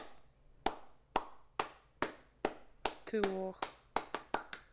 ты лох